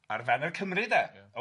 ar faner Cymru 'de? Ia.